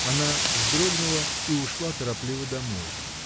Она вздрогнула и ушла торопливо домой.